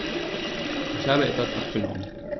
Ich habe etwas abgenommen.